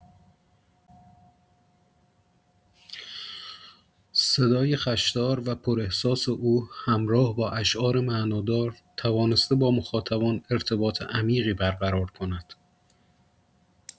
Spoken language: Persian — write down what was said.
صدای خش‌دار و پر احساس او همراه با اشعار معنادار توانسته با مخاطبان ارتباط عمیقی برقرار کند.